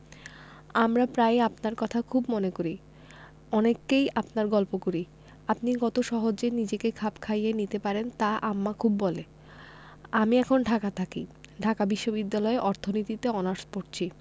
আমরা প্রায়ই আপনারর কথা মনে করি অনেককেই আপনার গল্প করি আপনি কত সহজে নিজেকে খাপ খাইয়ে নিতে পারেন তা আম্মা খুব বলে আমি এখন ঢাকা থাকি ঢাকা বিশ্ববিদ্যালয়ে অর্থনীতিতে অনার্স পরছি